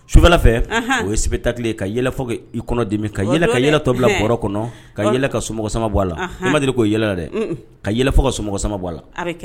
Subɛla fɛ o ye sibitati ye ka yɛlɛfɔ i kɔnɔ dimi ka yɛlɛ ka yɛlɛ tɔ bila kɔrɔ kɔnɔ ka yɛlɛ ka so sa bɔ a la mari ko' yɛlɛ dɛ ka yɛlɛ ka so sa bɔ a la